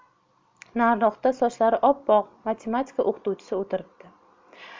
nariroqda sochlari oppoq matematika o'qituvchisi o'tiribdi